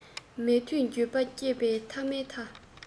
མེད དུས འགྱོད པ སྐྱེས པ ཐ མའི ཐ